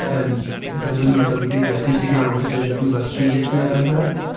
yym, y canlyniad o ddigwyddiad pwysig iawn wnaeth ddigwydd yn dwy fil a tri i chdi, do Angharad?